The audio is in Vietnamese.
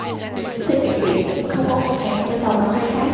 xây cảng biển nhưng không có nguồn hàng cho tàu vào khai thác